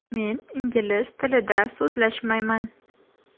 men ingliz tilida so'zlashmayman